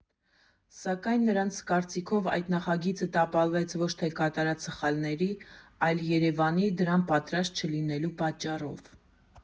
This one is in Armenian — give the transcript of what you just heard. Սակայն նրանց կարծիքով այդ նախագիծը տապալվեց ոչ թե կատարած սխալների, այլ Երևանի՝ դրան պատրաստ չլինելու պատճառով։